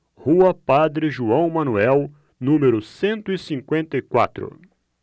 rua padre joão manuel número cento e cinquenta e quatro